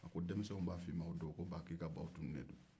denminsɛnw b'a f'i ma o don ko ba i ka baw tunune don